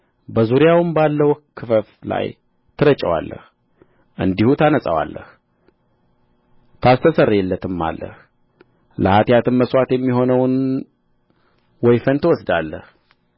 በዙሪያውም ባለው ክፈፍ ላይ ትረጨዋለህ እንዲሁ ታነጻዋለህ ታስተሰርይለትማለህ ለኃጢአትም መሥዋዕት የሚሆነውን ወይፈን ትወስዳለህ